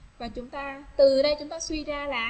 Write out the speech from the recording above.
từ đây tới đó suy ra là